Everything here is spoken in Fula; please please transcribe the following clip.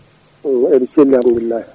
eyyo eɓe celli alahamdulillahi